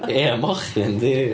Ia mochyn 'di...